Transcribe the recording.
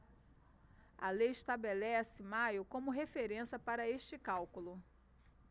a lei estabelece maio como referência para este cálculo